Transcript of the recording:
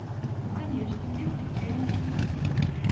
конечно где встречаемся